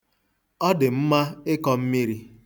Ọ dị mma ịkọ mmiri.